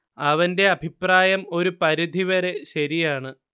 അവന്റെ അഭിപ്രായം ഒരു പരിധി വരെ ശരിയാണ്